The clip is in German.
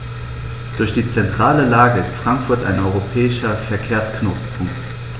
Durch die zentrale Lage ist Frankfurt ein europäischer Verkehrsknotenpunkt.